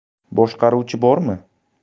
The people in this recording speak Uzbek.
boshqaruvchi bormi